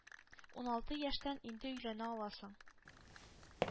Уналты яшьтән инде өйләнә аласың.